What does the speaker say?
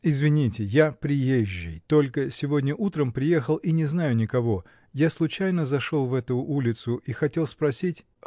— Извините, я приезжий, только сегодня утром приехал, и не знаю никого: я случайно зашел в эту улицу и хотел спросить.